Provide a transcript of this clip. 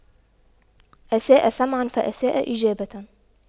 أساء سمعاً فأساء إجابة